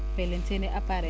fay leen seen i appareils